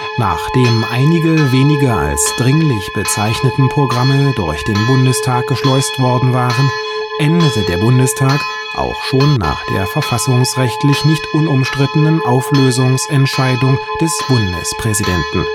Nachdem einige wenige als „ dringlich “bezeichneten Programme durch den Bundestag geschleust worden waren, endete der Bundestag auch schon nach der verfassungsrechtlich nicht unumstrittenen Auflösungsentscheidung des Bundespräsidenten